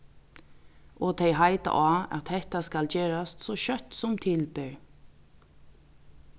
og tey heita á at hetta skal gerast so skjótt sum til ber